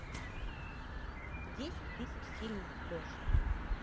десять тысяч фильмов леша